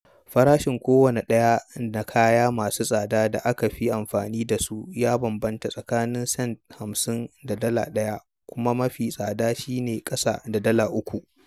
Farashin kowane ɗaya na kaya masu tsada da aka fi amfani da su ya bambanta tsakanin cents 50 da Dala 1 kuma mafi tsada shi ne ƙasa da Dala 3.